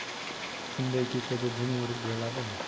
shunday kechada jim yurib bo'ladimi